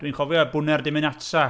Dwi'n cofio "bună dimineața"